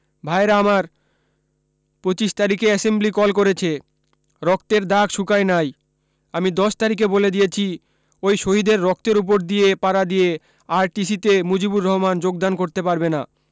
ভায়েরা আমার ২৫ তারিখে assembly call করেছে রক্তের দাগ শুকায় নাই আমি দশ তারিখে বলে দিয়েছি ওই শহীদের রক্তের উপর দিয়ে পারা দিয়ে আর.টি.সি. তে মুজিবুর রহমান যোগদান করতে পারে না